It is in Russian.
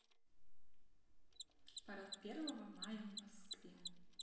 парад первого мая в москве